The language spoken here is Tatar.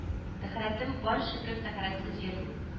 Тәһарәтем бар шөкер тәһарәтсез йөрмим